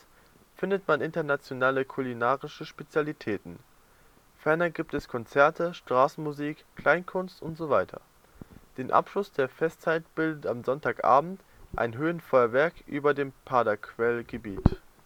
findet man internationale kulinarische Spezialitäten. Ferner gibt es Konzerte, Straßenmusik, Kleinkunst usw. Den Abschluss der Festzeit bildet am Sonntagabend ein Höhenfeuerwerk über dem Paderquellgebiet